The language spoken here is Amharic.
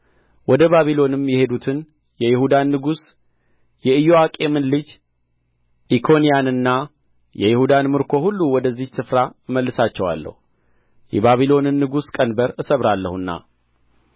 ወደ ባቢሎንም የሄዱትን የይሁዳን ንጉሥ የኢዮአቄምን ልጅ ኢኮንያንንና የይሁዳን ምርኮ ሁሉ ወደዚህች ስፍራ እመልሳቸዋለሁ የባቢሎንን ንጉሥ ቀንበር እሰብራለሁና